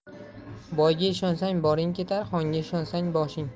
boyga ishonsang boring ketar xonga ishonsang boshing